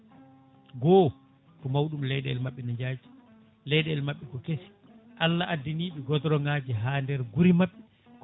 goho ko mawɗum leyɗele mabɓe ne jaai leyɗele mabɓe ko keese Allah addaniɓe goudron aji ha nder guure mabɓe